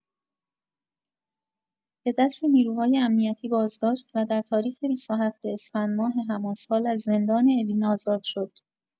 به دست نیروهای امنیتی بازداشت، و در تاریخ ۲۷ اسفندماه همان سال از زندان اوین آزاد شد.